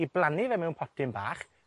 'i blannu fe mewn potyn bach,